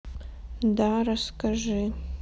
да расскажи